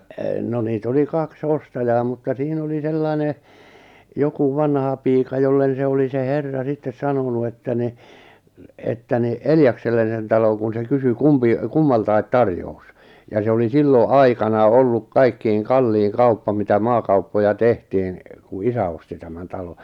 no niitä oli kaksi ostajaa mutta siinä oli sellainen joku vanhapiika jolle se oli se herra sitten sanonut että niin että niin Eljakselle sen talon kun se kysyi kumpi kummaltakin tarjous ja se oli silloin aikanaan ollut kaikkein kallein kauppa mitä maakauppoja tehtiin kun isä osti tämän talon